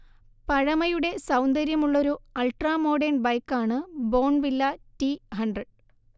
പഴമയുടെ സൗന്ദര്യമുള്ളൊരു അൾട്രാമോഡേൺ ബൈക്കാണ് ബോൺവില്ല ടി ഹൺഡ്രഡ്